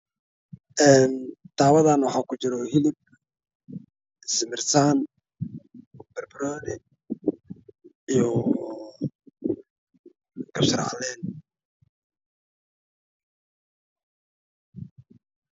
Waa dugsi midabkiisu yahay madow waxaa ku jiro jibsi hilib darandho